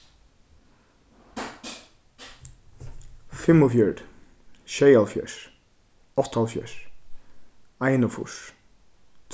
fimmogfjøruti sjeyoghálvfjerðs áttaoghálvfjerðs einogfýrs